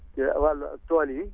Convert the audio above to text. ci wàllu tool yi